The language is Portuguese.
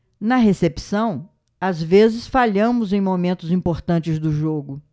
na recepção às vezes falhamos em momentos importantes do jogo